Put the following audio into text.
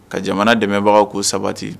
Ka jamana dɛmɛbagaw k'u sabati